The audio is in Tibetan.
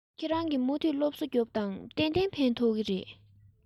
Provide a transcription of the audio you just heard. ཁྱེད རང གིས མུ མཐུད སློབ གསོ རྒྱོབས དང གཏན གཏན ཕན ཐོགས ཀྱི རེད